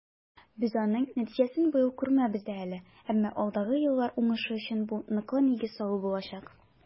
Без аның нәтиҗәсен быел күрмәбез дә әле, әмма алдагы еллар уңышы өчен бу ныклы нигез салу булачак.